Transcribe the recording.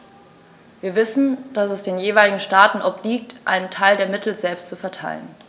Wir wissen, dass es den jeweiligen Staaten obliegt, einen Teil der Mittel selbst zu verteilen.